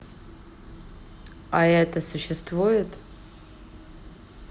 a eto существует